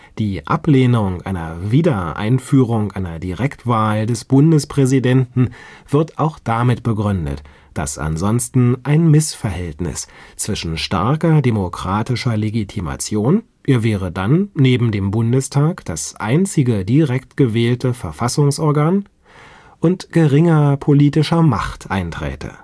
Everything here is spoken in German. Die Ablehnung einer (Wieder -) Einführung einer Direktwahl des Bundespräsidenten wird auch damit begründet, dass ansonsten ein Missverhältnis zwischen starker demokratischer Legitimation (er wäre dann neben dem Bundestag das einzige direkt gewählte Verfassungsorgan) und geringer politischer Macht einträte